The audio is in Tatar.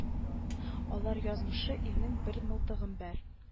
Алар язмышы илнең бәр мылтыгым бәр